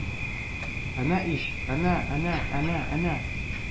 -әнә ич, әнә, әнә, әнә, әнә!